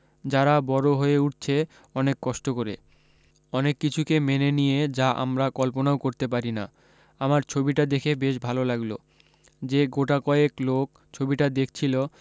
যারা বড় হয়ে উঠছে অনেক কষ্ট করে অনেক কিছুকে মেনে নিয়ে যা আমরা কল্পনাও করতে পারি না আমার ছবিটা দেখে বেশ ভালো লাগলো যে গোটা কয়েক লোক ছবিটা দেখছিলো